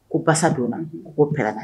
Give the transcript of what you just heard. Ko basa don ko ko pda